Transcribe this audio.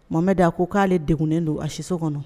Mɔmɛ d' a ko k'ale degunnen don a siso kɔnɔ